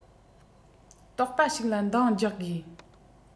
རྟོགས པ ཞིག ལ འདང རྒྱག དགོས